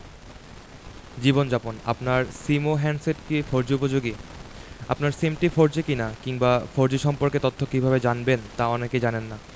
জীবনযাপন আপনার সিম ও হ্যান্ডসেট কি ফোরজি উপযোগী আপনার সিমটি ফোরজি কিনা কিংবা ফোরজি সম্পর্কে তথ্য কীভাবে জানবেন তা অনেকেই জানেন না